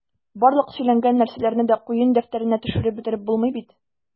Барлык сөйләнгән нәрсәләрне дә куен дәфтәренә төшереп бетереп булмый бит...